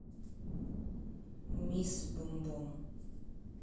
мисс бум бум